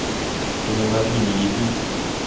ты мне мозги не еби